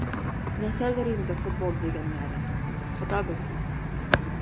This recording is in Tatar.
Нәрсәдер инде "футбол" дигәннәре, Хода белсен...